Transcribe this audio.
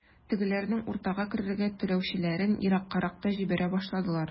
Тегеләрнең уртага керергә теләүчеләрен ераккарак та җибәрә башладылар.